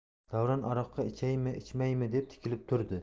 davron aroqqa ichaymi ichmaymi deb tikilib turdi